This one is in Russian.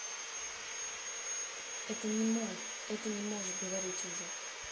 это не мой это не может говорить уже